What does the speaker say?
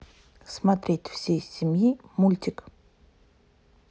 смотреть всей семьи мультик